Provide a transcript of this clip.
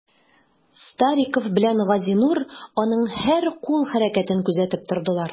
Стариков белән Газинур аның һәр кул хәрәкәтен күзәтеп тордылар.